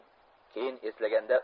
keyin eslaganda